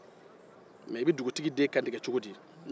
mɛ i bɛ dugutigi den kantigɛ cogo di